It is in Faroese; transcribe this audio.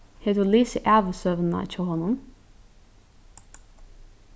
hevur tú lisið ævisøguna hjá honum